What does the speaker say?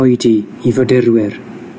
oedi i fodurwyr.